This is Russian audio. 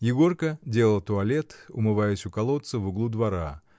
Егорка делал туалет, умываясь у колодца, в углу двора